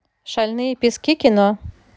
шальные пески кино